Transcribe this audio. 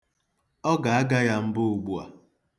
Ọ ga-aga ya mbọ ugbu a.